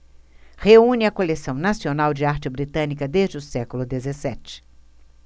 reúne a coleção nacional de arte britânica desde o século dezessete